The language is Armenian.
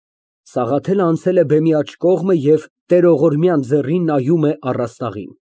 ՍԱՂԱԹԵԼ ֊ (Անցել է բեմի աջ կողմը և տերողորմյան ձեռին նայում է առաստաղին)։